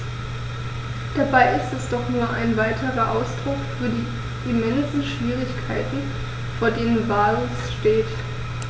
Dabei ist es doch nur ein weiterer Ausdruck für die immensen Schwierigkeiten, vor denen Wales steht.